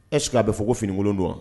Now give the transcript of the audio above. Ɛseke k aa bɛ fɔ ko finikolon don wa